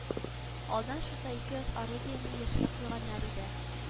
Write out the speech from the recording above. Алдан шунда ике орудиене яшереп куйганнар иде